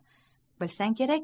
bilsang kerak